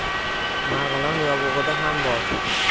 marg'ilon yovug'ida ham bor